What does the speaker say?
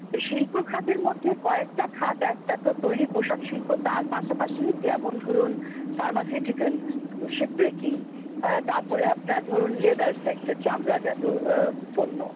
শিল্প খাতের মধ্যে কয়েকটা খাত একটা তো তৈরি পোশাক শিল্প ও তার পাশাপাশি যেমন ধরুন ফার্মাসিউটিক্যাল শিপ ব্রেকিং তারপরে আপনার ধরুন লেদার সেক্টর চামড়াজাত পণ্য